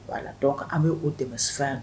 Voila, donc an bɛ o dɛmɛ suguya ninnu